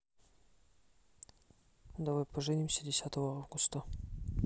давай поженимся десятого августа